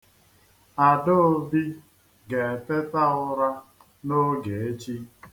Adaobi ga-eteta ụra n'oge echi.